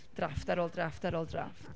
drafft ar ôl drafft ar ôl drafft.